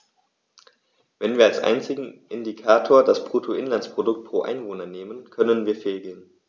Wenn wir als einzigen Indikator das Bruttoinlandsprodukt pro Einwohner nehmen, können wir fehlgehen.